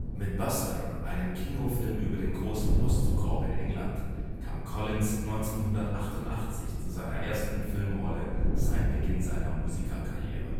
Mit Buster, einem Kinofilm über den Großen Postzugraub in England, kam Collins 1988 zu seiner ersten Filmrolle seit Beginn seiner Musikerkarriere